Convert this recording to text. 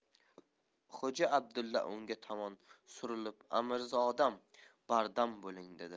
xo'ja abdulla unga tomon surilib amirzodam bardam bo'ling dedi